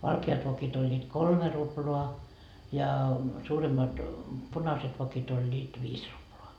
valkeat vokit olivat kolme ruplaa ja suuremmat punaiset vokit olivat viisi ruplaa